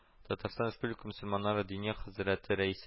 Татарстан Республикасы мөселманнары Диния нәзарәте рәисе